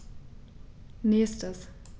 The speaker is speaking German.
Nächstes.